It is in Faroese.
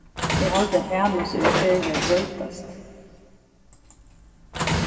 eg haldi at hanus er í ferð við at broytast